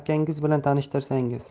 akanggiz bilan tanishtirsangiz